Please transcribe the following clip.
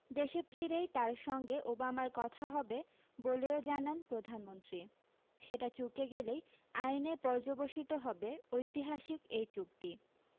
দেশে ফিরেই তাঁর সঙ্গে ওবামার কথা হবে বলেও জানান প্রধানমন্ত্রী সেটা চুকে গেলে আইনে পর্যবসিত হবে ঐতিহাসিক এই চুক্তি